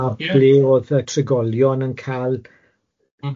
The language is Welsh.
A ble oedd y trigolion yn cal... M-hm.